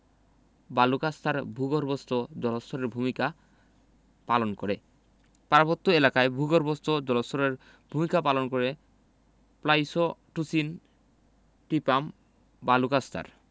বালুকাস্তর ভূগর্ভস্থ জলস্তরের ভূমিকা পালন করে পার্বত্য এলাকায় ভূগর্ভস্থ জলস্তরের ভূমিকা পালন করে প্লাইসটোসিন টিপাম বালুকাস্তর